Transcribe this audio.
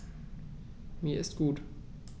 Mir ist gut.